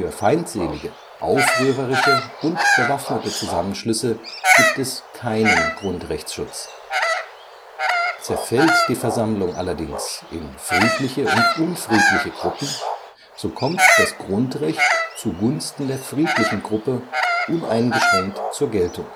feindselige, aufrührerische und bewaffnete Zusammenschlüsse gibt es keinen Grundrechtsschutz. Zerfällt die Versammlung allerdings in friedliche und unfriedliche Gruppen, so kommt das Grundrecht zu Gunsten der friedlichen Gruppe uneingeschränkt zur Geltung